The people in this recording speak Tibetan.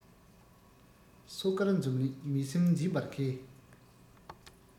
སོ དཀར འཛུམ ལེགས མི སེམས འཛིན པར མཁས